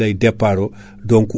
woni awdi gawri